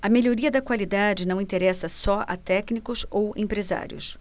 a melhoria da qualidade não interessa só a técnicos ou empresários